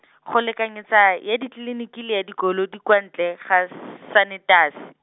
go lekanyetsa ya ditleliniki le ya dikolo di kwa ntle ga s- sanetasi.